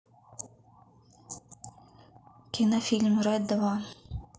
кинофильм рэд два